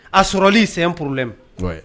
A sɔrɔli sen ppurlen ye